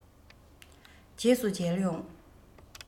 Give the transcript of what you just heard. རྗེས སུ མཇལ ཡོང